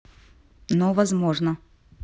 но возможно